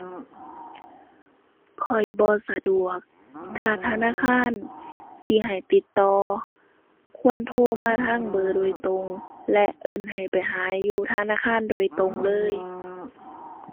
ข้อยบ่สะดวก ถ้าธนาคารสิให้ติดต่อควรโทรมาทางเบอร์โดยตรง และเอิ้นให้ไปหาอยู่ธนาคารโดยตรงเลย